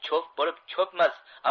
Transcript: cho'p bo'lib cho'pmas